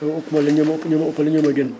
te ëppu ma leen ñoo ma ëpple ñoo ma gën